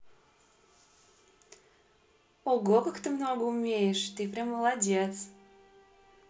ого как ты много умеешь ты прям молодец